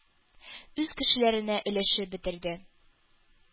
Үз кешеләренә өләшеп бетерде.